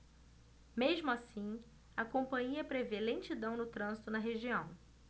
mesmo assim a companhia prevê lentidão no trânsito na região